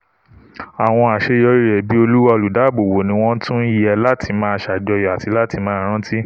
Àwọn àṣeyọrí rẹ̀ bí Oluwa Olùdáààbò ni wọ́n tún yẹ láti máa sàjọyọ̀ àti láti maá rántí.''